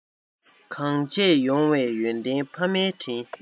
གང བྱས ཡོང བའི ཡོན ཏན ཕ མའི དྲིན